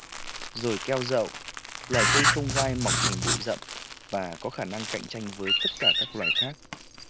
rồi keo giậu loài cây không gai mọc thành bụi rậm và có khả năng cạnh tranh với tất cả các loài khác